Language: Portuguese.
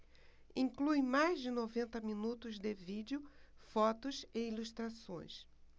inclui mais de noventa minutos de vídeo fotos e ilustrações